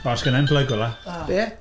O, sgenna i'm plug fel 'na... A, be?